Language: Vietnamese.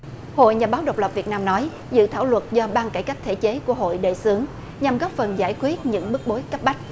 hội nhà báo độc lập việt nam nói dự thảo luật do ban cải cách thể chế của hội đề xướng nhằm góp phần giải quyết những bức bối cấp bách